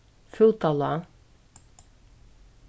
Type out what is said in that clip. fútalág